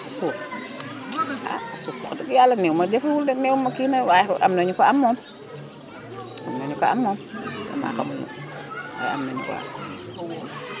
suuf ah suuf wax dëgg yàlla newuma jafewul de newuma kii na waaye am na ñu ko am moom am na ñu ko am moom damaa xamul waaye am na ñu ko am